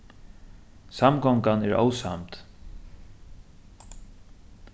samgongan er ósamd